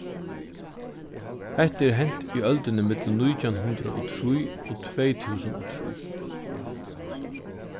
hetta er hent í øldini millum nítjan hundrað og trý og tvey túsund og trý